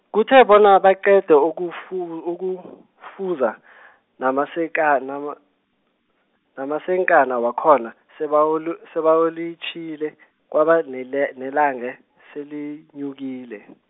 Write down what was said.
kuthe bona baqede ukufuz-, ukufuza, namaseka- nama, namasenkana wakhona, sebawol- sebawolitjhiyile, kwabanele- -nelange, selenyukile.